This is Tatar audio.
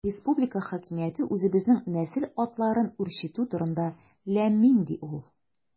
Республика хакимияте үзебезнең нәсел атларын үрчетү турында– ләм-мим, ди ул.